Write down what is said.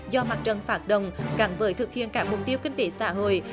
do mặt trận phát động gắn với thực hiện các mục tiêu kinh tế xã hội